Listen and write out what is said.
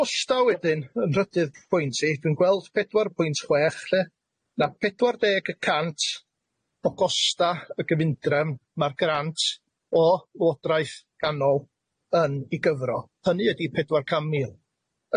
Costa' wedyn yn nhrydydd pwynt i, dwi'n gweld pedwar pwynt chwech lly, ma' pedwar deg y cant o gosta' y gyfundrefn, ma'r grant o lywodraeth ganol yn ei gyfro, hynny ydi pedwar cam mil.